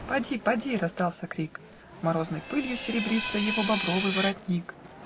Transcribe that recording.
"Пади, пади!" - раздался крик; Морозной пылью серебрится Его бобровый воротник.